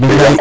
bilahi